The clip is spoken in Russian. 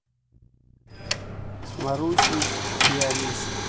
с марусей и алиса